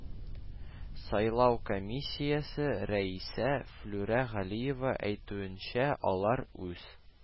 Сайлау комиссиясе рәисе флүрә галиева әйтүенчә, алар үз